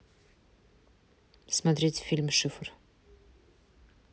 смотреть фильм шифр